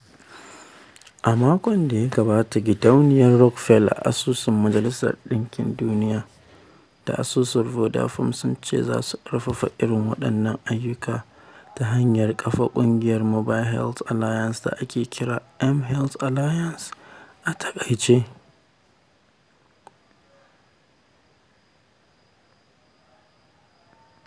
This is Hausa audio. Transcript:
A makon da ya gabata, Gidauniyar Rockefeller, Asusun Majalisar Dinkin Duniya, da Asusun Vodafone sun ce za su ƙarfafi irin waɗannan ayyuka ta hanyar kafa ƙungiyar Mobile Health Alliance da ake kira (mHealth Alliance) a taƙaice.